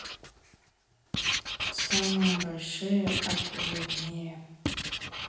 самые большие акулы в мире